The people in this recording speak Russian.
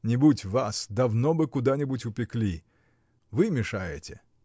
— Не будь вас, давно бы куда-нибудь упекли. Вы мешаете.